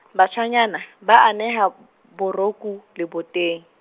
bashanyana ba aneha, boroku leboteng.